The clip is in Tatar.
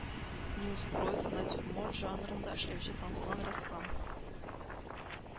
Неустроев натюрморт жанрында эшләүче танылган рәссам